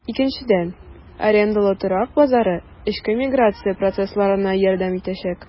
Икенчедән, арендалы торак базары эчке миграция процессларына ярдәм итәчәк.